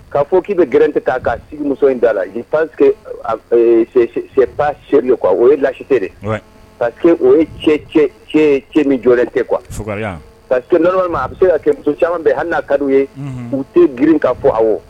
K'a fɔ k'i bɛ g tɛ ta ka'a sigimuso in da la' sɛsɛere' o ye lacsise de ka o ye cɛ ni jɔlen tɛ kuwa ka ma a bɛ se ka cɛ muso caman bɛ hali n' kadi ye u tɛ girin ka fɔ aw